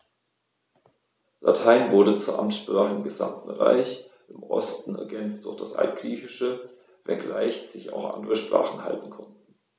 Latein wurde zur Amtssprache im gesamten Reich (im Osten ergänzt durch das Altgriechische), wenngleich sich auch andere Sprachen halten konnten.